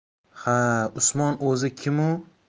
ha usmon o'zi kimu